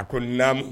A ko naamu.